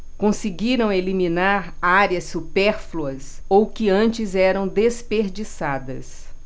conseguiram eliminar áreas supérfluas ou que antes eram desperdiçadas